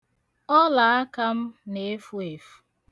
Ọlaaka m na-efu efu.